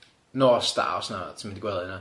nos da os na, ti'n mynd i gwely na?